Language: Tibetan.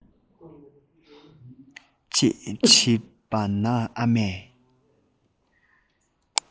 ཅེས དྲིས པ ན ཨ མས